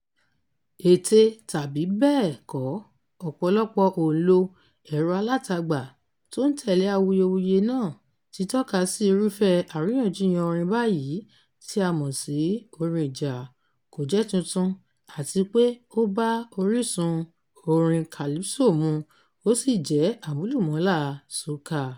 Ète tàbí bẹ́ẹ̀ kọ́, ọ̀pọ̀lọpọ̀ òǹlo ẹ̀rọ-alátagbà tó ń tẹ̀lé awuyewuye náà ti tọ́ka sí irúfẹ́ àríyànjiyàn orin báyìí (tí a mọ̀ sí "orin ìjà") kò jẹ́ tuntun; àti pé, ó bá orísun orin calypso mu, ó sì jẹ́ àmúlùmálà, soca.